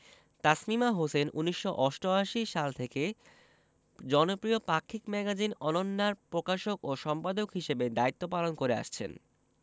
তাসমিমা হোসেন ১৯৮৮ সাল থেকে জনপ্রিয় পাক্ষিক ম্যাগাজিন অনন্যা র প্রকাশক ও সম্পাদক হিসেবে দায়িত্ব পালন করে আসছেন